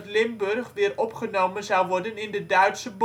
Limburg weer opgenomen zou worden in de Duitse